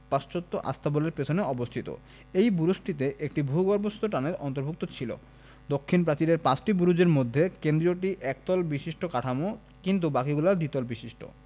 পার্শ্বস্থ আস্তাবলের পেছনে অবস্থিত এই বুরুজটিতে একটি ভূগর্ভস্থ টানেল অন্তর্ভুক্ত ছিল দক্ষিণ প্রাচীরের পাঁচটি বুরুজের মধ্যে কেন্দ্রীয়টি একতল বিশিষ্ট কাঠামো কিন্তু বাকিগুলি দ্বিতল বিশিষ্ট